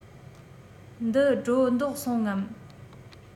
འདི སྒྲོ འདོགས སོང ངམ